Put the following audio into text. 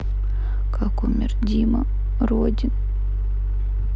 как умер дима родин